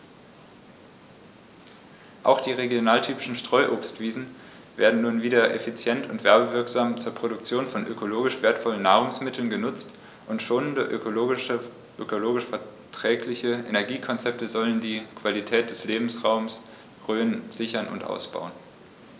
Auch die regionaltypischen Streuobstwiesen werden nun wieder effizient und werbewirksam zur Produktion von ökologisch wertvollen Nahrungsmitteln genutzt, und schonende, ökologisch verträgliche Energiekonzepte sollen die Qualität des Lebensraumes Rhön sichern und ausbauen.